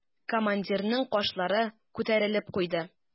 Командирның кашлары күтәрелеп куйды.